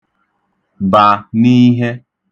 bà n’ihe